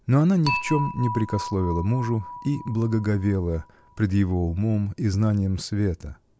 но она ни в чем не прекословила мужу и благоговела пред его умом и знанием света.